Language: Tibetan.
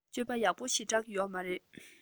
སྤྱོད པ ཡག པོ ཞེ དྲགས ཡོད མ རེད